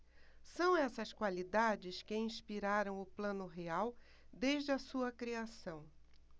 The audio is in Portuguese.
são essas qualidades que inspiraram o plano real desde a sua criação